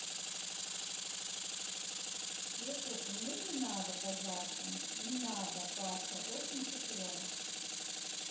youtube мне не надо пожарку не надо паша очень тепло